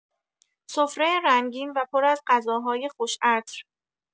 سفره رنگین و پر از غذاهای خوش‌عطر